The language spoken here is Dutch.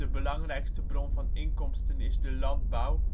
belangrijkste bron van inkomsten is de landbouw